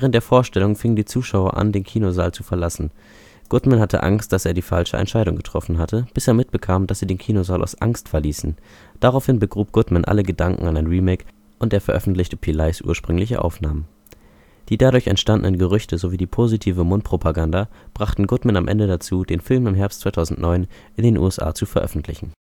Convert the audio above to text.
der Vorstellung fingen die Zuschauer an, den Kinosaal zu verlassen. Goodman hatte Angst, dass er die falsche Entscheidung getroffen hatte, bis er mitbekam, dass sie den Kinosaal aus Angst verließen. Daraufhin begrub Goodman alle Gedanken an ein Remake und er veröffentlichte Pelis ursprüngliche Aufnahmen. Die dadurch entstandenen Gerüchte sowie die positive Mundpropaganda brachten Goodman am Ende dazu, den Film im Herbst 2009 in den USA zu veröffentlichen